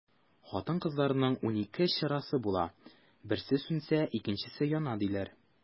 Хатын-кызларның унике чырасы була, берсе сүнсә, икенчесе яна, диләр.